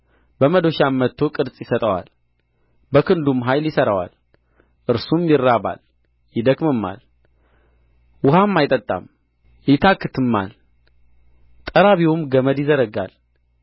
በመዶሻም መትቶ ቅርጽ ይሰጠዋል በክንዱም ኃይል ይሠራዋል እርሱም ይራባል ይደክምማል ውኃም አይጠጣም ይታክትማል ጠራቢውም ገመድ ይዘረጋል በበረቅም ያመለክተዋል